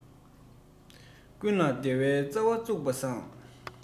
ཀུན ལ བདེ བའི རྩ བ བཙུགས པ བཟང